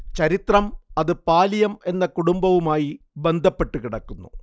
ചരിത്രം അത് പാലിയം എന്ന കുടുംബവുമായി ബന്ധപ്പെട്ടു കിടക്കുന്നു